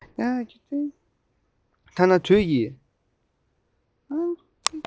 ཐ ན དུས ཀྱི